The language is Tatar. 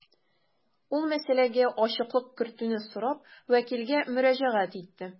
Ул мәсьәләгә ачыклык кертүне сорап вәкилгә мөрәҗәгать итте.